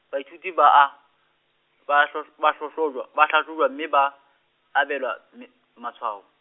baithuti ba a, ba hlo, ba a hlahlojwa, ba hlahlojwa mme ba, abelwa, mme, matshwao.